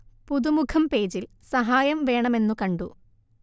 പുതുമുഖം പേജിൽ സഹായം വേണമെന്നു കണ്ടു